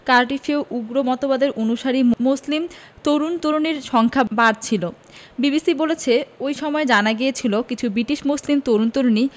কার্ডিফেও উগ্র মতবাদের অনুসারী মুসলিম তরুণ তরুণীর সংখ্যা বাড়ছিল বিবিসি বলছে ওই সময়ই জানা গিয়েছিল কিছু বিটিশ মুসলিম তরুণ তরুণী